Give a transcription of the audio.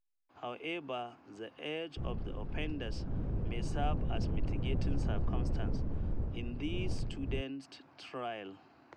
However, the age of the offenders may serve as a “mitigating circumstance” in these students’ trial.